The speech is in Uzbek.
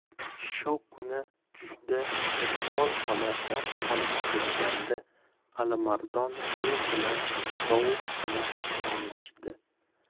shu kuni tushda iqbol xola osh olib kelganda alimardon u bilan sovuqqina salomlashdi